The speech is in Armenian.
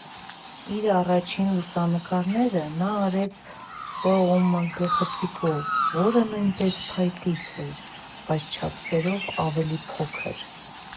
Իր առաջին լուսանկարները նա արեց ՊՕՄԳ խցիկով, որը նույնպես փայտից էր, բայց չափսերով ավելի փոքր։